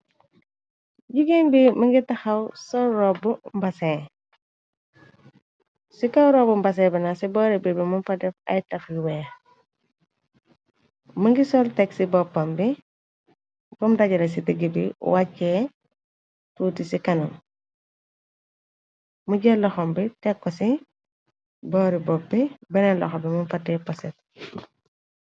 jigéen bi më ngi taxaw sool robu mbasen bina ci boori bir bi mu fatef ay tafi weex më ngi sol teg ci boppam bi bom dajale ci degg bi wàccee tuuti ci kanam mu jën loxam bi tekko ci boori bopp beneen loxom bi mu fate poset.